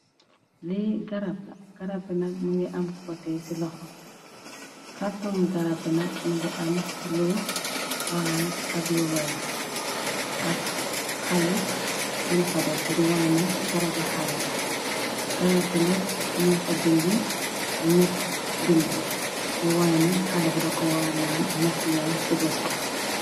Lii garab la garabbinag më ngi am pote ci loxo càrto ngi garab bi nag më ngi am lu arance ak luwere ak xale bun fa def di wana ne garabi xale la garab binag ñu fa bindi ñett bindi di wana ne xale bi dako wara naan ñett yoon ci bësu